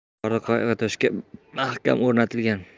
poydevori qoyatoshga mahkam o'rnatilgan